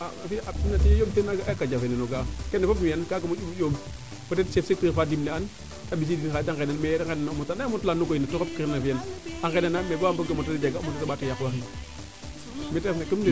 a aussi yomb te maaga aka jafeñnee o ga'a kene fop o fiyan kaga moƴu yomb peut etre chef secteur fa dimle an te mbisidin maga de ngenan mais range ande o moto la nogoy na xot kiran a fiya a ngena na ba mboge o moto le jaga o moto le mbaato yaq wa xin mete refna